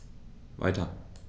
Weiter.